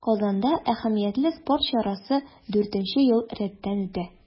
Казанда әһәмиятле спорт чарасы дүртенче ел рәттән үтә.